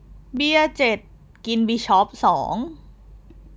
เบี้ยเจ็ดกินบิชอปสอง